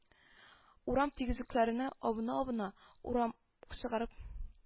Урам тигезсезлекләренә абына-абына, урам чыгарып